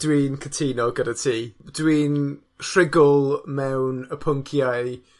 Dwi'n cytuno gyda ti. Dwi'n rhugl mewn y pwnciau